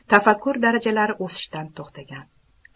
tafakkur darajalari o'sishdan to'xtagan